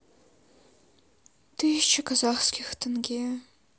тысяча казахских тенге